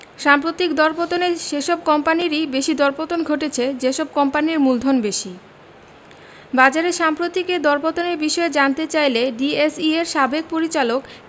সাম্প্রতিক দরপতনে সেসব কোম্পানিরই বেশি দরপতন ঘটেছে যেসব কোম্পানির মূলধন বেশি বাজারের সাম্প্রতিক এ দরপতনের বিষয়ে জানতে চাইলে ডিএসইর সাবেক পরিচালক